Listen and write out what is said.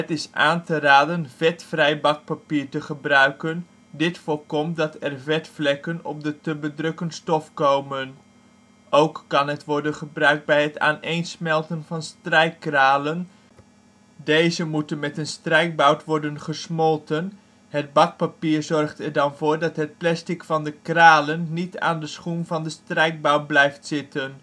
is aan te raden vetvrij bakpapier te gebruiken. Dit voorkomt dat er vetvlekken op de te bedrukken stof komen. Ook kan het worden gebruikt bij het aaneensmelten van strijkkralen. Deze moeten met een strijkbout worden gesmolten, het bakpapier zorgt er dan voor dat het plastic van de kralen niet aan de schoen van de strijkbout blijft zitten